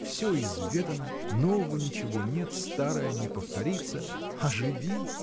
Все изведано, нового ничего нет, старое не повторится, а живи!